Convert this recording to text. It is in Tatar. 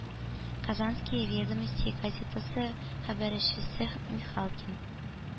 «казанские ведомости» газетасы хәбәрчесе михалкин: